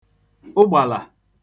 ụgbàlà